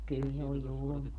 kyllä se on julmaa